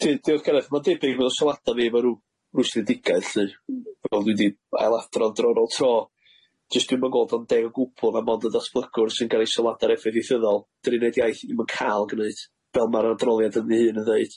Di- diolch Gareth ma'n debyg bo' sylwada fi efo rw rw sylwdiga felly. Wel dwi di ail adrodd dro ar ol tro jyst dwi'm yn gweld o'n deu o gwbwl na mond y datblygwr sy'n ga'l ei sylwad ar effaith ieithyddol dwi'n neud iaith i'm yn ca'l gneud fel ma'r adroliad yn ei hun yn ddeud.